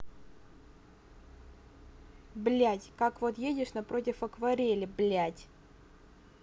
блядь как вот едешь напротив акварели блядь